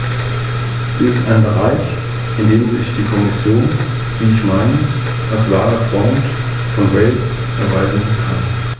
Wir hoffen, dass uns die Kommission davon überzeugen kann, dass es sich dabei lediglich um ein Versehen handelt, das umgehend korrigiert wird.